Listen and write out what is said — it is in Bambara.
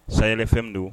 Sayayfɛn don